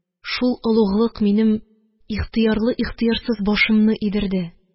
Шул олуглык минем, ихтыярлы-ихтыярсыз, башымны идерде